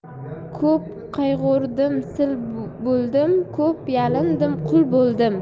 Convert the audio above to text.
ko'p qayg'urdim sil boidim ko'p yalindim qui boidim